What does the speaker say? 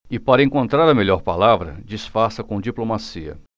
é para encontrar a melhor palavra disfarça com diplomacia